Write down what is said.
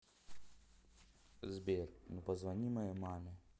сбер ну позвони моей маме